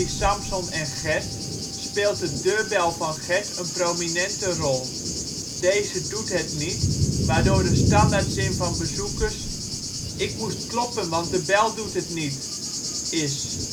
Samson en Gert speelt de deurbel van Gert een prominente rol. Deze doet het niet waardoor de standaardzin van bezoekers " Ik moest kloppen want de bel doet het niet " is